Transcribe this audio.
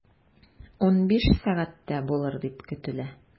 15.00 сәгатьтә булыр дип көтелә.